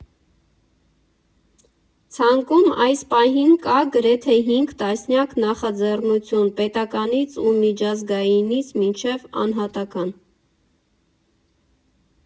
Ցանկում այս պահին կա գրեթե հինգ տասնյակ նախաձեռնություն՝ պետականից ու միջազգայինից մինչև անհատական։